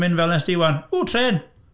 Mynd fel wnest ti 'wan, "W! Trên!"